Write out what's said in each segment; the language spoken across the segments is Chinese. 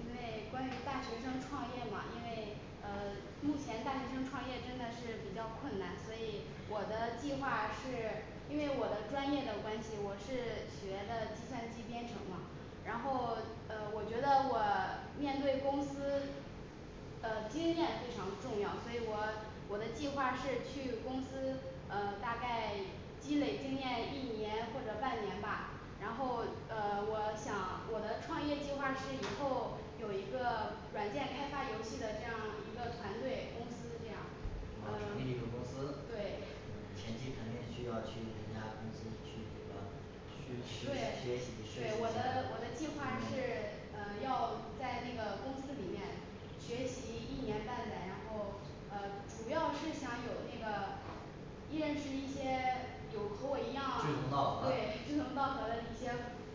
因为关于大学生创业嘛，因为呃目前大学生创业真的是比较困难，所以我的计划是因为我的专业的关系，我是学的计算机编程嘛然后呃我觉得我面对公司的经验非常重要，所以我我的计划是去公司呃大概积累经验一年或者半年吧，然后呃我想我的创业计划是以后有一个软件开发游戏的这样一个团队公司这样啊成立一嗯 个公司，嗯对 前期肯定需要去人家公司去这个主持对学习实习一下对我儿的我的计划是。嗯呃要在那个公司里面学习一年半载，然后呃主要是想有那个认识是一些有和我一志样同道合对 志同道合的一些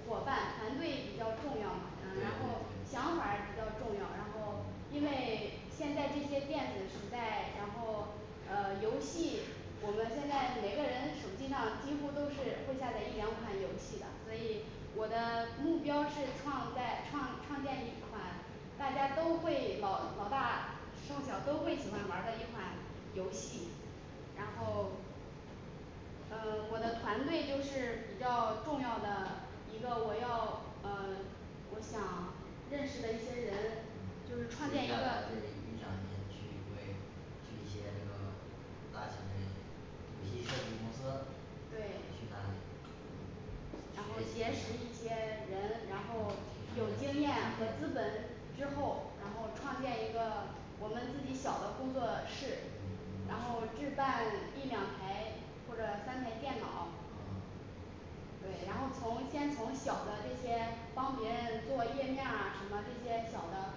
伙伴团队比较重要嘛，对对呃然后对想法儿也比较重要。然后因嗯为现在这些电子时代然后呃游戏，我们现在每个人手机上几乎都是会下载一两款游戏的，所以我的目标是创在创创建一款大家都会老老大少小都会喜欢玩儿的一款游戏。 然嗯后嗯我的团队就是比较重要的一个我要呃我想认识的一些人嗯，，就是创建接一个下来这一两年你去会去一些这个大型嘞游戏设计公司对去那里，嗯然后结学识习一一下儿些人嗯，学然他后们去这有个经经验验和资本之后嗯，然后创建一个我们自己小的工作室，然嗯后置办一两台或者三台电脑。嗯对，然后行从先从小的这些帮别人做页面啊什么这些小的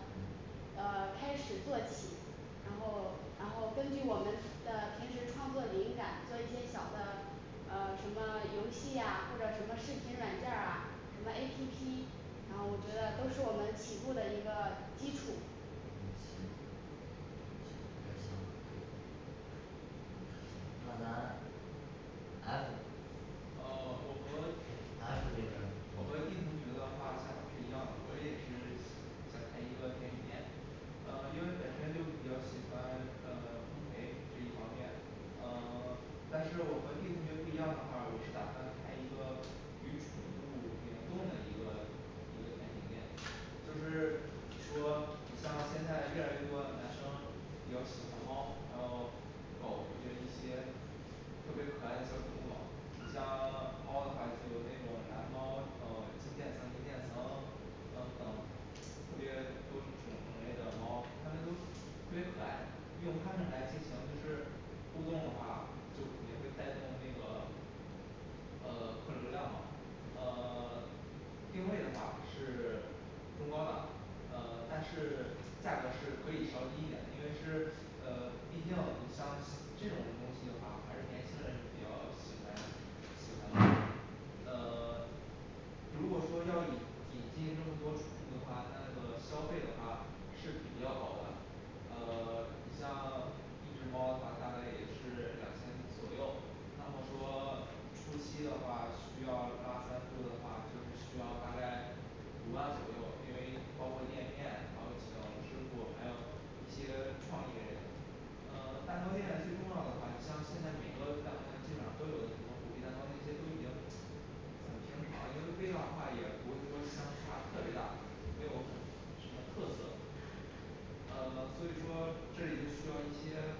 嗯呃开始做起，然嗯后然后根据我们的平时创作灵感，做一些小的呃什么游戏呀或者什么视频软件儿啊什么A P P，然后嗯我觉，得都是行我们起步的一个基础。嗯，行行，那咱们那咱F 呃我和 F这边我儿和 D 嗯同学的话想法是一样的，我也是想开一个甜品店呃因为本身就比较喜欢呃烘焙这一方面，呃 但是我和D同学不一样的话，我是打算开一个与宠物联动的一个一个甜品店。就是说你像现在越来越多的男生比较喜欢猫，还有狗，就是一些特别可爱的小宠物儿嘛，你像 猫的话，就有那种蓝猫呃金渐层银渐层嗯等特别多种类的猫，它们都特别可爱，用它们来进行就是互动的话，就肯定会带动那个呃 客流量嘛啊 定位的话是中高档，呃但是价格是可以稍低一点儿，因为是呃毕竟你像这种东西的话，还是年轻人比较喜欢喜欢猫。 呃 如果说要引引进这么多宠物儿的话那个消费的话是比较高的。呃 你像一只猫的话大概也就是两千左右，那么说初期的话需要拉赞助的话就是需要大概五万左右，因为包括店面还有请师傅，还有一些创意类的呃 蛋糕店最重要的话，你像现在每个蛋糕店基本上都有什么虎皮蛋糕那些都已经很平常，因为味道的话也不会说相差特别大，没有很什么特色呃 所以说这里就需要一些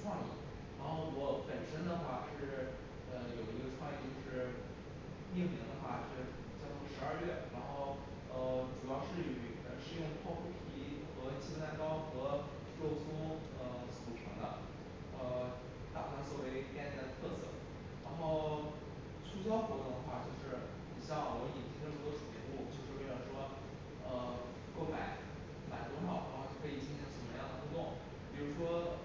创意。然后我本身的话是呃有一个创意就是命名的话是叫做十二月，然后呃主要是于呃是用泡芙皮和起司蛋糕和肉松呃组成的呃 打算作为店内的特色然后促销活动的话，就是你像我引进那么多宠物，就是为了说呃购买满多少，然后就可以进行什么样的互动，比如说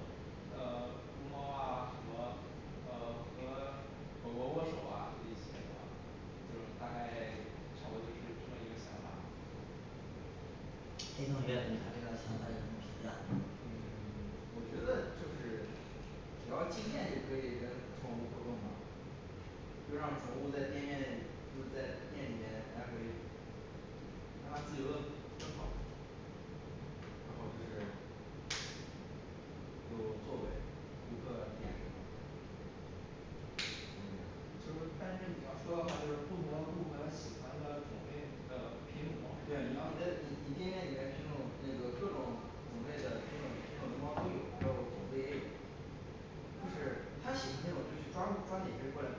呃龙猫啊什么呃和狗狗握手啊这一些的吧，就是大概差不多就是这么一个想法。A同学对他这个想法有什么评价？嗯 我觉得就是只要进店就可以跟宠物儿互动吧就让宠物在店面里就是在店里面来回让它自由的奔跑然后就是有座位，顾客点什么感觉，就是但是你要说的话就是不同的顾客他喜欢的种类的品对你的，你你种猫是不一样的，你店面里面品种那个各种种类的品种品种的猫都有，还有狗的也有就是他喜欢这种就去抓抓哪只过来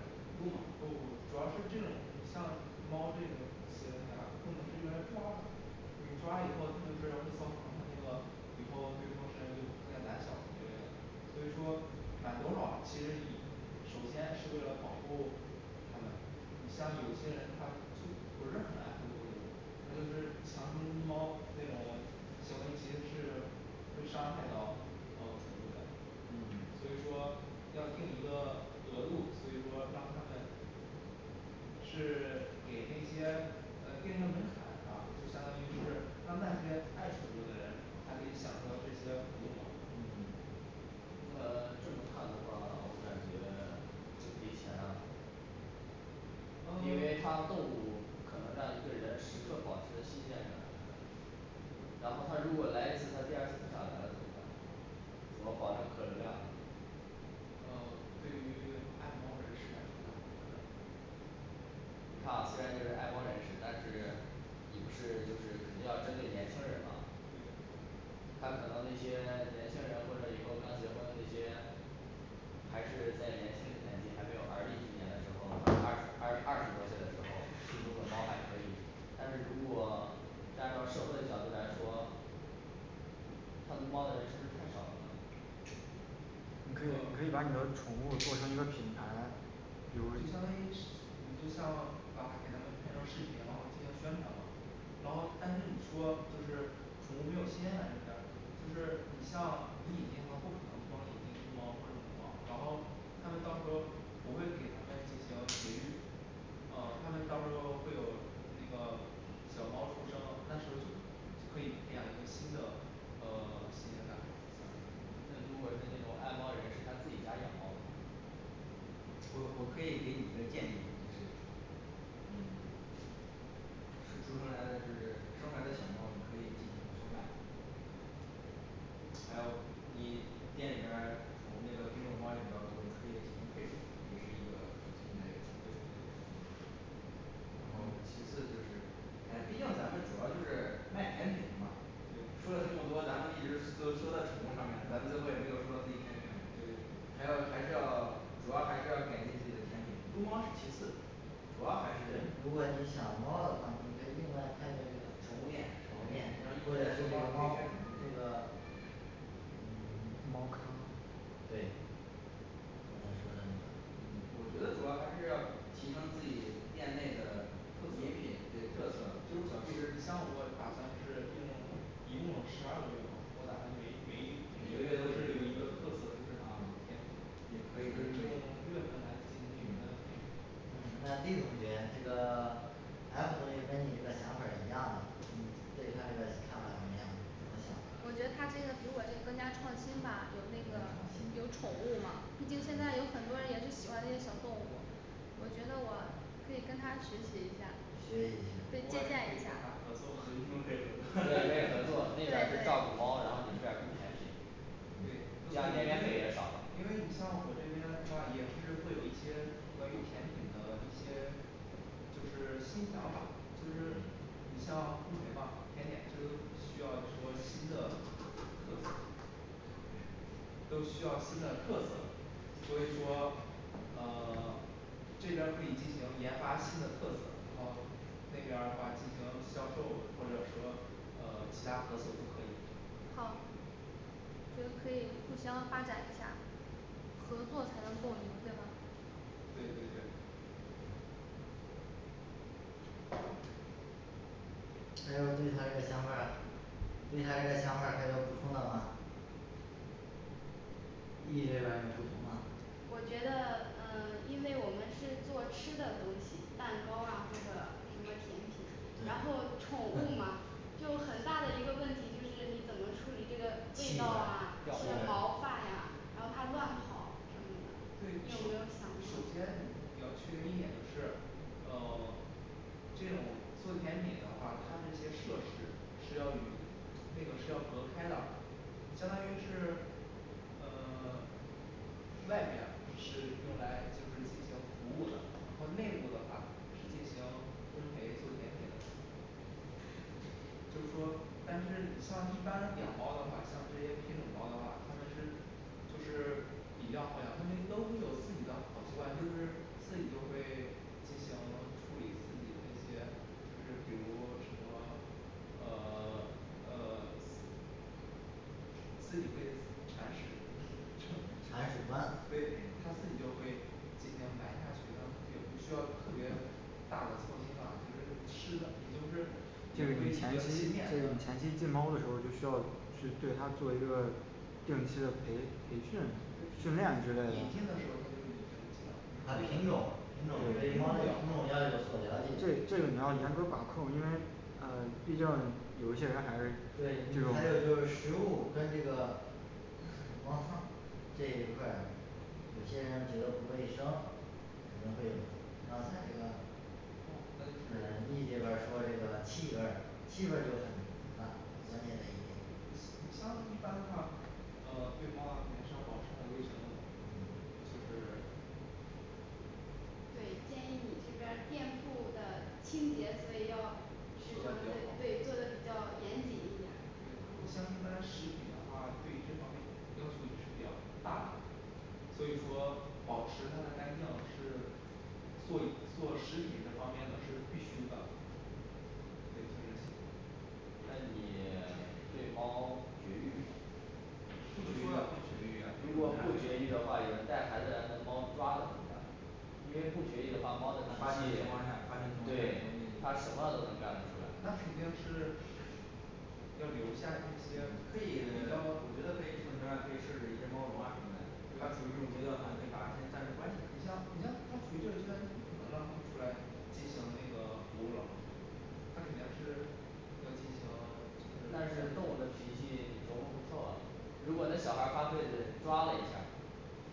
撸不不吗不，主要是这种，你像猫这个这些东西啊不能是用来抓的，你抓以后它就是会造成他那个以后对陌生人就不太胆小一类的。所以说买多少其实以首先是为了保护它的，你像有些人他就不是很爱护动物，他就是强行撸猫那种行为其实是会伤害到呃宠物的。所嗯以说要定一个额度，所以说让他们是 给那些呃垫个门槛吧，就相当于是让那些爱宠物的人才可以享受这些服务嘛。嗯那 这么看的话，我感觉就可以想象因为嗯 它动物可能让一个人时刻保持着新鲜感，然后他如果来一次，他第二次不想来了怎么办，能保证客流量吗？呃对于爱猫人士啊那不可能你看啊虽然就是爱猫人士，但是也不是就是肯定要针对年轻人吧对他可能那些年轻人或者以后刚结婚的那些，还是在年轻年纪，还没有而立之年的时候，二二二二十多岁的时候适度撸猫还可以。但是如果是按照社会的角度来说，他撸猫的人是不是太少了呢你可以你可以把你的宠物儿做成一个品牌你就呃相当于是你就像把它给它们拍成视频，然后进行宣传嘛然后但是你说就是宠物儿没有新鲜感什么的，就是你像你引进它不可能光引进公猫或者母猫，然后它们到时候不会给它们进行绝育啊他们到时候儿会有那个小猫出生，那时候儿就可以培养一个新的呃 新鲜感那如果是那种爱猫人士他自己家养猫我我可以给你一个建议就是嗯，生出生来的就是生出来的小猫儿你可以进行售卖还有你店里边儿宠那个品种猫也比较多，你可以进行配种，也是一个惊雷对对对对然后其次就是，哎，毕竟咱们主要就是卖甜品的嘛，对说了这么多，咱们一直都说在宠物上面，咱们最后也没有说到自己甜品上面，对对对还要还是要主要还是要改进自己的甜品，撸猫是其次主要还对是，如果你想猫的话你可以另外开个这宠个宠物店物店，或者为了猫，这个嗯猫 对刚才说嗯的那个我觉得主要还是要提升自己店内的饮品特色，对，特色就是我，小吃像我打算就是用一共有十二个月嘛，我打算每每一每每个个月月都都是有一个特是色就是，啊，甜品也可就以是也用可以月份来进行命名嗯，那的 D同学这个F同学跟你这个想法儿一样的，你对他这个看法怎么样？怎么想我的？觉得他这个比我这个更加创新吧，有那更个有加创新宠物嘛，毕竟现在有嗯很多人也是喜欢那些小动物我觉得我可以跟他学习一下儿，学对我感觉我可以跟她习一下儿现在合作，对你 们可以对可合以作合作 ，那对边儿对是照顾对猫的，然后这边儿供甜品对，因为因为嗯这样天天背的少因为你像我这边儿的话也是会有一些关于甜品的一些就是新想法儿。就是嗯你像烘焙吧甜点这都需要出新的特色都需要新的特色。所以说呃 这边儿可以进行研发新的特色&好&，然后那边儿的话进行销售，或者说呃其它特色都可以。好也可以互相发展一下，合作才能共赢对吧对对对还有对他这个想法儿，对他这个想法儿还有补充的吗？E这边儿要补充吗？我觉得呃因为我们是做吃的东西，蛋糕啊或者什么甜品，然后宠对物儿嘛 就很大的一个问题，就是你怎么处理这个味气道啊味或者毛发呀，然后它乱跑什么的，对，你首有没有想首先过。你要确定一点就是呃 这种做甜点的话，它这些设施是要与那个是要隔开的。相当于是呃 外面是用来就是进行服务的，然后内部的话是进行烘焙做甜品的就是说但是你像一般养猫的话，像这些品种猫的话，它们是就是比较会它们都会有自己的好习惯，就是自己就会进行处理自己的一些就是比如什么呃 呃 自己会铲屎铲，对铲屎官嗯它自己就会进行埋下去，然后也不需要特别大的操心啦，就是吃的，你就就是你是前期就是也会你前也期对猫的时候儿就需要去对它做一个定期的培培训练之类的引进的时候它就有啊它品种品种对猫这个品种要有所了解，对，最主要你还不能把它，因为呃毕竟有一些人还是对对，你这种还有就是食物跟这个猫儿 这一块儿有些人觉得不卫生，肯定会有的，刚才这个呃那就是，E 这边儿说这个气味儿气味儿是很足的，很关键的一你点你像一般的话呃对猫啊肯定是要保持的它的卫生，嗯就是对，建议你这边儿店铺的清洁，所以要做时长的对比较对做好的比较严谨一点儿对，你。像嗯一般食品的话，对于这方面要求也是比较大的所以说保持它的干净也是做一做食品这方面呢是必须的。对就这些。那你 对猫绝育吗不绝都说了不育呀绝育呀，为什如么果它不绝还育的话，有人带孩子来那猫抓了怎么办，因为不绝育的话，猫的情它发情的绪情况下发情情对，况它下就容易什么都能干的出那来肯定是要留下那些可嗯以比 较，我这觉得种可情况以下可以设置一些猫笼啊什么的，它处于这对种阶段的话，你可以把它先暂时关起来你像你像它处于这个阶段就不可能让它出来进行那个服务了嘛它肯定是要进行但就是是动物的脾气你琢磨不透啊，如果那小孩儿发费的抓了一下儿，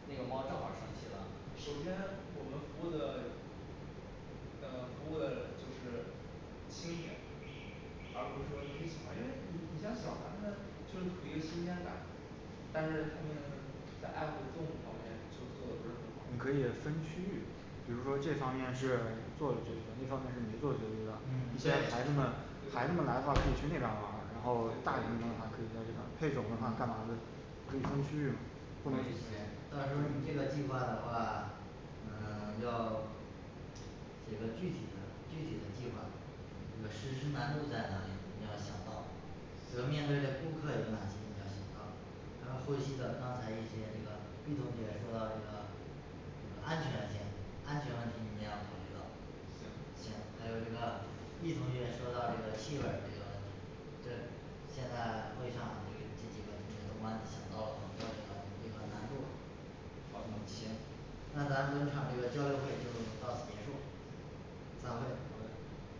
那个猫正好儿生气了首先我们服务的的服务的就是青年而不是说这些小孩，因为你你像小孩他们就是图一个新鲜感但是他们在爱护动物方面就是做的你不是很好可以分区域，比如说这方面是座位区，那方面是没座位区，对吧，嗯，所对以孩子们孩子们对来了可以去那边儿逛，对，可然后大人们的话可以以可以在那边儿，这种的话，看咱们可以分区域嘛嗯行，到时候儿你这个计划的话，嗯 要写个具体的具体的计划，那个实施难度在哪里？你要想到，这面对的顾客有哪些，你要想到还有后期的刚才一些这个B同学也说到，这个这个安全性安全问题你也要考虑到。行行，还有这个E同学说到这个气味儿这个问题，对，现在会上这这几个同学都帮你想到了很多这个你这个难度好嗯，的，行，那咱本场这个交流会就到此结束。散会好嘞